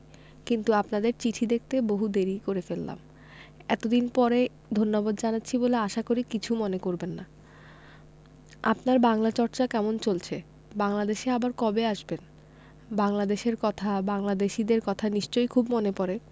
কিন্তু আপনাদের চিঠি লিখতে বহু দেরী করে ফেললাম এতদিন পরে ধন্যবাদ জানাচ্ছি বলে আশা করি কিছু মনে করবেন না আপনার বাংলা চর্চা কেমন চলছে বাংলাদেশে আবার কবে আসবেন বাংলাদেশের কথা বাংলাদেশীদের কথা নিশ্চয় খুব মনে পরে